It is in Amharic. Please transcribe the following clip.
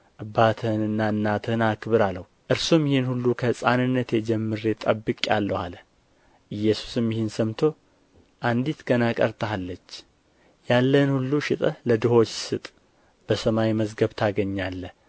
አባትህንና እናትህን አክብር አለው እርሱም ይህን ሁሉ ከሕፃንናቴ ጀምሬ ጠብቄአለሁ አለ ኢየሱስም ይህን ሰምቶ አንዲት ገና ቀርታሃለች ያለህን ሁሉ ሽጠህ ለድሆች ስጥ በሰማይም መዝገብ ታገኛለህ